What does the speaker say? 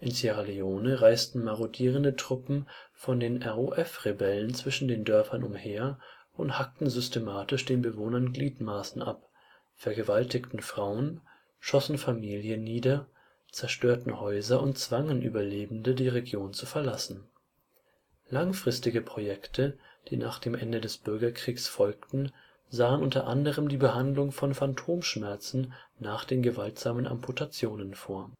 Sierra Leone reisten marodierende Gruppen von den RUF-Rebellen zwischen den Dörfern umher und hackten systematisch den Bewohnern Gliedmaßen ab, vergewaltigten Frauen, schossen Familien nieder, zerstörten Häuser und zwangen Überlebende, die Region zu verlassen. Langfristige Projekte, die nach dem Ende des Bürgerkriegs folgten, sahen unter anderem die Behandlung von Phantomschmerzen nach den gewaltsamen Amputationen vor